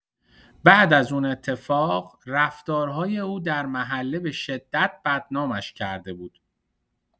بعد از اون اتفاق، رفتارهای او در محله به‌شدت بدنامش کرده بود.